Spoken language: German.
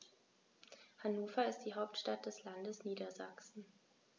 Hannover ist die Hauptstadt des Landes Niedersachsen.